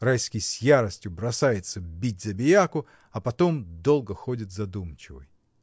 Райский с яростью бросается бить забияку, а потом долго ходит задумчивый.